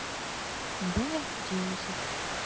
б десять